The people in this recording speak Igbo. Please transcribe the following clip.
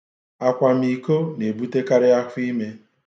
Akwamiko na-ebutekarị afọ ime.